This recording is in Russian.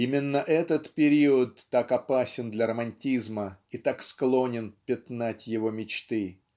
именно этот период так опасен для романтизма и гак склонен пятнать его мечты.